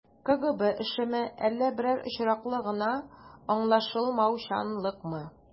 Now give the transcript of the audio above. КГБ эшеме, әллә берәр очраклы гына аңлашылмаучанлыкмы?